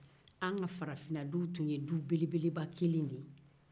an ka farafinna duw tun ye du belebeleba kelen de ye